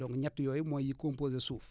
donc ñett yooyu mooy yi composer suuf